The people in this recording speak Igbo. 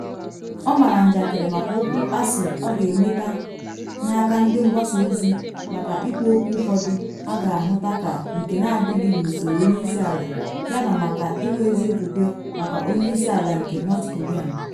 Ọ mara njakịrị maka okwu asị ọ ga-enweta n’aka ndị mgbasa ozi maka ikwu okwu ụfọdụ a ga-ahụta ka nke na adịghị “n’usoro onye isi ala” yana maka ịnwe ezi okwukwe maka onye isi ala nke North Korean.